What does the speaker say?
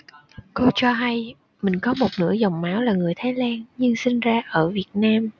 cô cho hay mình có một nửa dòng máu là người thái lan nhưng sinh ra ở việt nam